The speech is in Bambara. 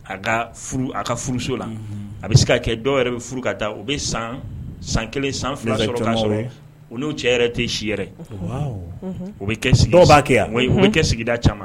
A ka a ka furuso la a bɛ se ka kɛ dɔw yɛrɛ bɛ furu ka taa u bɛ san san kelen san fila sɔrɔ olu' cɛ yɛrɛ tɛ si yɛrɛ o bɛ kɛ sigi b'a kɛ yan bɛ kɛ sigida ca